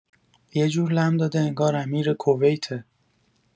یجور لم‌داده انگار امیر کویته